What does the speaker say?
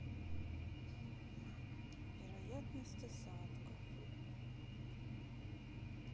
вероятность осадков